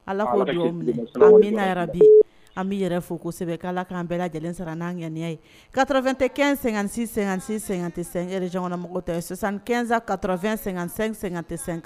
Ala bi an bɛ yɛrɛ fosɛbɛ' ala k'an bɛɛ ka lajɛlen sara n'an ŋaniya ye kafɛn tɛ kɛ- sɛgɛn- sin tɛre janmɔgɔ ta sisanɛnsan karafɛn-- tɛ